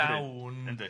...dawn... Yndi